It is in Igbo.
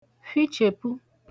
fhichèpu